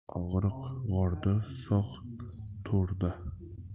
og'riq go'rda sog' to'rda